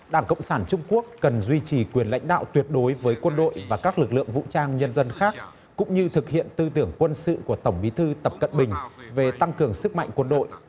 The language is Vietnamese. đảng cộng sản trung quốc cần duy trì quyền lãnh đạo tuyệt đối với quân đội và các lực lượng vũ trang nhân dân khác cũng như thực hiện tư tưởng quân sự của tổng bí thư tập cận bình về tăng cường sức mạnh quân đội